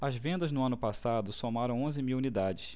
as vendas no ano passado somaram onze mil unidades